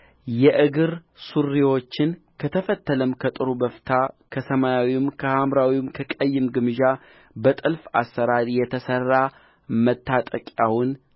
የእግር ሱሪዎችን ከተፈተለም ከጥሩ በፍታ ከሰማያዊም ከሐምራዊም ከቀይም ግምጃ በጥልፍ አሠራር የተሠራ መታጠቂያውን